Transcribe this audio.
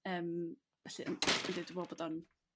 Yrm felly yn- yndw dwi me'wl bod o'n